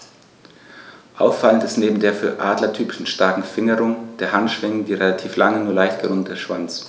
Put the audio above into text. Auffallend ist neben der für Adler typischen starken Fingerung der Handschwingen der relativ lange, nur leicht gerundete Schwanz.